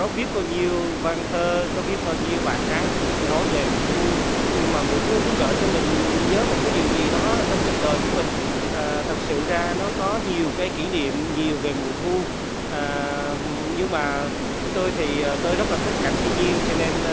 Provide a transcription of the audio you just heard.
có biết bao nhiêu văn thơ có biết bao nhiêu bài hát nói về mùa thu nhưng mà mùa thu cũng gợi cho mình nhớ một cái điều gì đó trong cuộc đời của mình ờ thật sự ra nó có nhiều cái kỷ niệm nhiều về mùa thu ờ nhưng mà tôi thì tôi rất là thích cảnh thiên nhiên cho nên